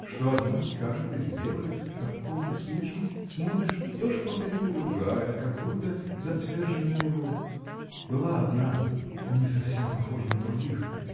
Что одна скажет и сделает в таком-то случае смотришь – то же повторит и другая как будто затверженный урок. Была одна. не совсем похожа на других.